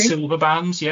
...silver bands ie?